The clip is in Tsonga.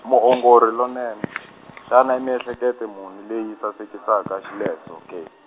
muongori lonene, xana i miehleketo muni leyi sasekisaka xile swo ke?